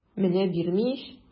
Менә бирми ич!